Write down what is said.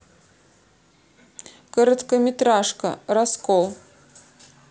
короткометражка раскол